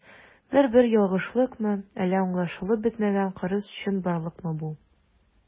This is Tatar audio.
Бер-бер ялгышлыкмы, әллә аңлашылып бетмәгән кырыс чынбарлыкмы бу?